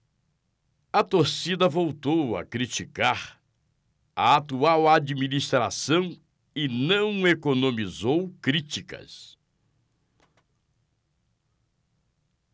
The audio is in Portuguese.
a torcida voltou a criticar a atual administração e não economizou críticas